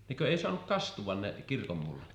nekö ei saanut kastua ne kirkonmullat